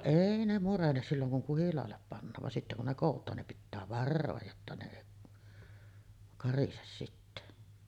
ei ne murene silloin kun kuhilaalle pannaan vaan sitten kun ne kootaan niin pitää varoa jotta ne ei karise sitten